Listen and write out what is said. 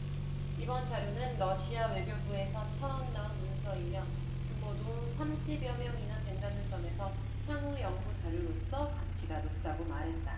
이번 자료는 러시아 외교부에서 처음 나온 문서이며 규모도 삼십 여 명이나 된다는 점에서 향후 연구 자료로서 가치가 높다고 말했다